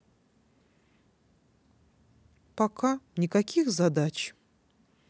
пока никаких задач